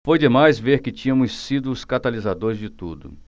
foi demais ver que tínhamos sido os catalisadores de tudo